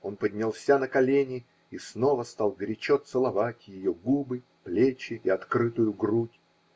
Он поднялся на колени и снова стал горячо целовать ее губы, плечи и открытую грудь.